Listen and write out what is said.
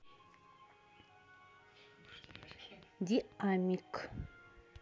диамик